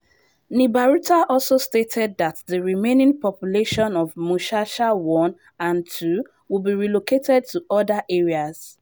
Nibaruta also stated that the remaining population of Mushasha I and II will be relocated to other areas.